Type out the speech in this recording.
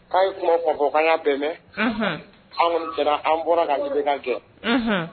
' ye kuma bamakɔkan' bɛn anw jɛra an bɔra ka kɛ